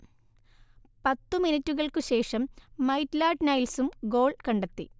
പത്ത് മിനുട്ടുകൾക്ക് ശേഷം മൈറ്റ്ലാഡ് നൈൽസും ഗോൾ കണ്ടെത്തി